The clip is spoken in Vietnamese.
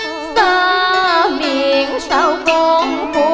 xa biển sao con